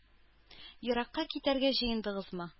Еракка китәргә җыендыгызмы?